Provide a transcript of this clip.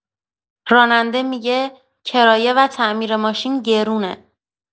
راننده می‌گه کرایه و تعمیر ماشین گرونه.